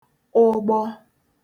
ụgbọ